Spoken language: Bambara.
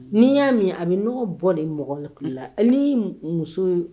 N'i y'a min a bɛ ɲɔgɔn bɔ de mɔgɔ lali la muso